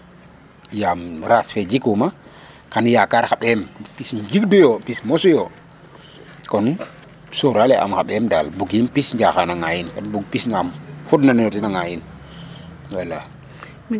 Yaam race fe jikuma kan yakaar xa ɓeem pis njigduyo pis mosu yo kon sorale'am xa ɓeem daal bugim pis njaxan a ŋaayin kam bug pis na fodna ne ten a ŋaayin wala .